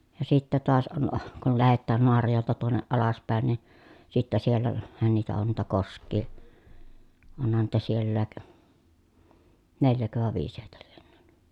ja sitten taas on kun lähetään Naarajoelta tuonne alaspäin niin sitten - siellähän niitä on niitä koskia onhan niitä sielläkin neljäkö vai viisi heitä lienee